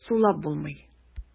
Сулап булмый.